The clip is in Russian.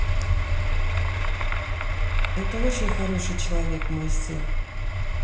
это очень хороший человек мой сын